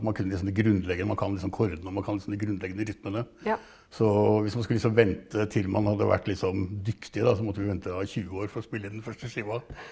man kunne liksom det grunnleggende, man kan liksom akkordene og man kan liksom de grunnleggende rytmene, så hvis man skal liksom vente til man hadde vært liksom dyktig da så måtte vi venta i 20 år for å spille inn den første skiva.